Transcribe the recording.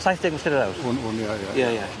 Saith deg milltir yr awr? Hwn hwn ie ie. Ie ie.